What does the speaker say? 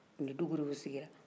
u ni dukurew sigira